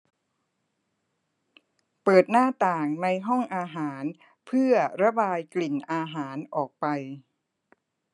เปิดหน้าต่างในห้องอาหารเพื่อระบายกลิ่นอาหารออกไป